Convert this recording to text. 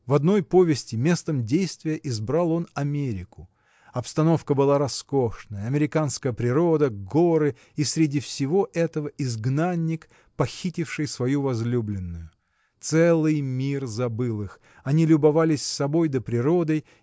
В одной повести местом действия избрал он Америку обстановка была роскошная американская природа горы и среди всего этого изгнанник похитивший свою возлюбленную. Целый мир забыл их они любовались собой да природой